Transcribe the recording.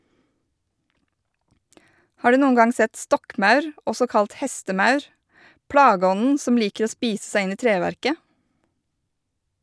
Har du noen gang sett stokkmaur , også kalt hestemaur, plageånden som liker å spise seg inn i treverket?